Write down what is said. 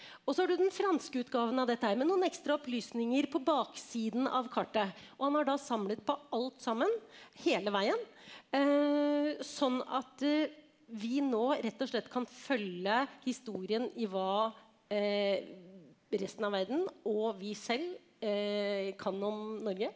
og så har du den franske utgaven av dette her med noen ekstra opplysninger på baksiden av kartet, og han har da samlet på alt sammen hele veien sånn at vi nå rett og slett kan følge historien i hva resten av verden og vi selv kan om Norge.